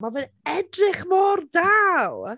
Ma' fe'n edrych mor dal!